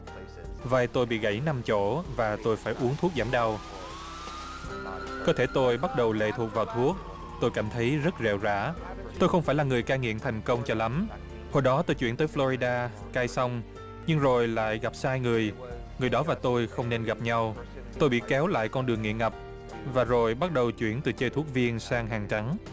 vai tôi bị gẫy năm chỗ và tôi phải uống thuốc giảm đau cơ thể tôi bắt đầu lệ thuộc vào thuốc tôi cảm thấy rất rệu rã tôi không phải là người cai nghiện thành công cho lắm hồi đó tôi chuyển tới phờ lo ri đa cai xong nhưng rồi lại gặp sai người người đó và tôi không nên gặp nhau tôi bị kéo lại con đường nghiện ngập và rồi bắt đầu chuyển từ chơi thuốc viên sang hàng trắng